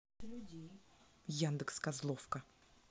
яндекс козловка